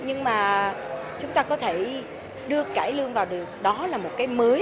hưng mà chúng ta có thể đưa cải lương vào điều đó là một cái mới